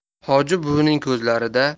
hoji buvining ko'zlarida